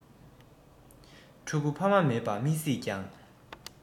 ཕྲུ གུ ཕ མ མེད པ མི སྲིད ཀྱང